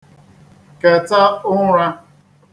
kèta uṅrā